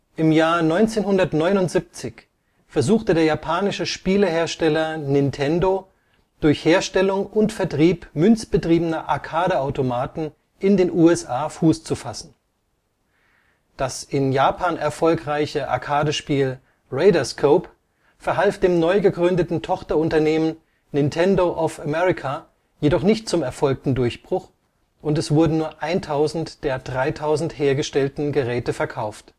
1979 versuchte der japanische Spielehersteller Nintendo durch Herstellung und Vertrieb münzbetriebener Arcade-Automaten in den USA Fuß zu fassen. Das in Japan erfolgreiche Arcade-Spiel Radarscope verhalf dem neu gegründeten Tochterunternehmen Nintendo of America jedoch nicht zum erhofften Durchbruch, und es wurden nur 1000 der 3000 hergestellten Geräte verkauft